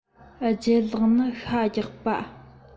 ལྗད ལགས ནི ཤ རྒྱགས པ